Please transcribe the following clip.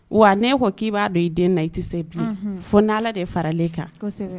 Wa ne ko k'i b'a dɔn i den na i tɛ se bi fo n' ala de faralen kan